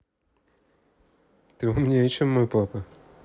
ты умнее чем мой папа